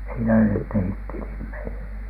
siinä ne tehtiin tilit meille